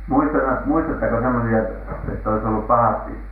- muistatteko semmoisia että olisi ollut pahasti